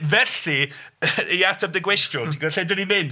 Felly i ateb dy gwestiwn ti'n gwybod lle dan ni'n mynd?